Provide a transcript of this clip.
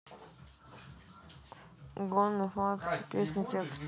gone fludd песня текст